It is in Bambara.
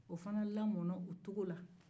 o fana lamɔna o cogo la